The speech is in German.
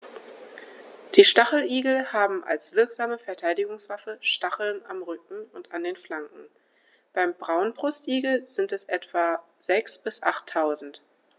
Die Stacheligel haben als wirksame Verteidigungswaffe Stacheln am Rücken und an den Flanken (beim Braunbrustigel sind es etwa sechs- bis achttausend).